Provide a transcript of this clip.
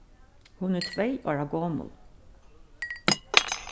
hon er tvey ára gomul